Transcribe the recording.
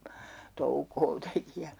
toukoa teki ja